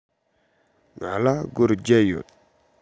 ང ལ སྒོར བརྒྱད ཡོད